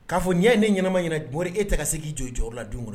K'a fɔ n ɲɛ ye ne ɲɛnaɛnɛma ɲɛna bɔr e tɛ ka se k'i jɔ la don kɔrɔ